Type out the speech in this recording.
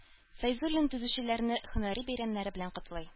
Фәйзуллин төзүчеләрне һөнәри бәйрәмнәре белән котлый